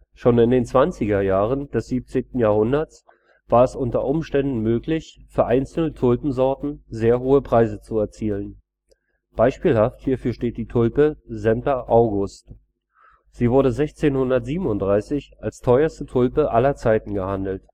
Schon in den 20er Jahren des 17. Jahrhunderts war es unter Umständen möglich, für einzelne Tulpensorten sehr hohe Preise zu erzielen. Beispielhaft hierfür steht die Tulpe ' Semper Augustus '. Sie wurde 1637 als teuerste Tulpe aller Zeiten gehandelt